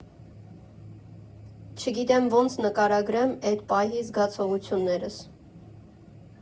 Չգիտեմ ոնց նկարագրեմ էդ պահի զգացողություններս։